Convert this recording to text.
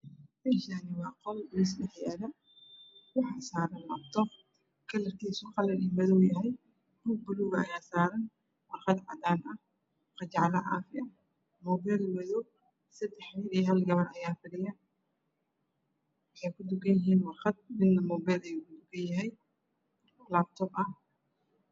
Meeshaan waa qol miis dhex yaalo waxaa saaran laabtoob kalarkiisu qalin iya madow yahay buug baluug ah ayaa saaran iyo warqad cadaan ah qajacla caafiya, muubeel madow. Seddex wiil iyo hal gabar ayaa fadhiyo waxay kutukan yihiin muubeel warqad iyo laabtoob.